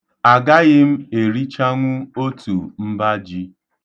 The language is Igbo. Agaghị m erichanwu otu mba ji.